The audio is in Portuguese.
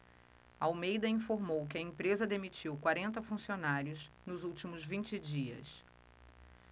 almeida informou que a empresa demitiu quarenta funcionários nos últimos vinte dias